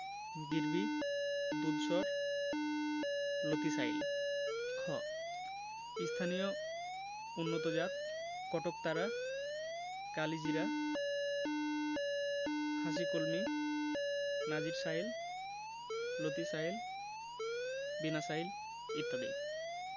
গিরবি দুধসর লতিশাইল খ স্থানীয় উন্নতজাতঃ কটকতারা কালিজিরা হাসিকলমি নাজির শাইল লতিশাইল বিনাশাইল ইত্যাদি